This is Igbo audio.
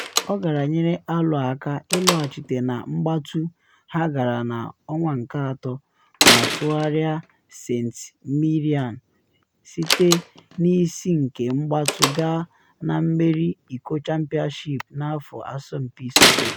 Ọ gara nyere Alloa aka ịlaghachite na mgbatu ha gara n’ọkwa nke atọ, ma tụgharịa St Mirren site n’isi nke mgbatu gaa na mmeri iko Championship n’afọ asọmpi sotere.